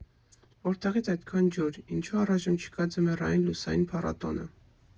Որտեղի՞ց այդքան ջուր, ինչո՞ւ առայժմ չկա ձմեռային լուսային փառատոնը.